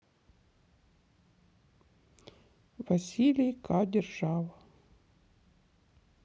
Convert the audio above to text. василий к держава